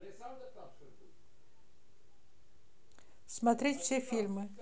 смотреть все фильмы